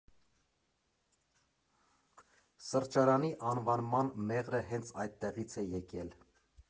Սրճարանի անվանման մեղրը հենց այդտեղից է եկել։